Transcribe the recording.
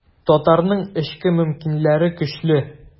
Татарның эчке мөмкинлекләре көчле.